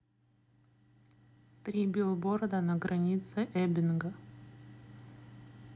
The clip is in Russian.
три билборда на границе эббинга